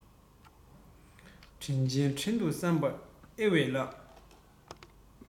དྲིན ཅན དྲིན དུ བསམས པ ཨེ ཝེས ལགས